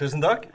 tusen takk.